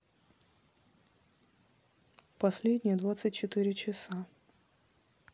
последние двадцать четыре часа